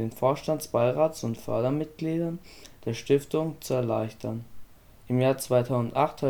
Vorstands -, Beirats - und Fördermitgliedern der Stiftung zu erleichtern. Im Jahr 2008